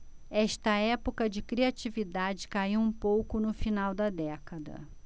esta época de criatividade caiu um pouco no final da década